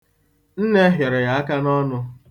Nne hịọrọ ya aka n'ọnụ.